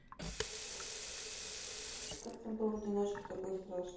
как там был в одиночке такой страшный